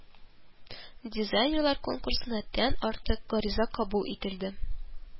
Дизайнерлар конкурсына тән артык гариза кабул ителде